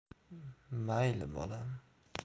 mayli bolam